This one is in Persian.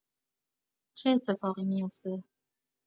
چه اتفاقی می‌افته؟